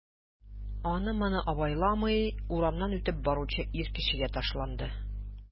Аны-моны абайламый урамнан үтеп баручы ир кешегә ташланды...